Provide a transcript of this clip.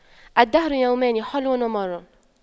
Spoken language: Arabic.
الدهر يومان حلو ومر